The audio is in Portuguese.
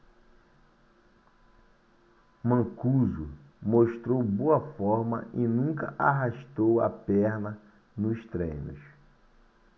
mancuso mostrou boa forma e nunca arrastou a perna nos treinos